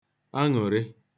aṅụ̀rị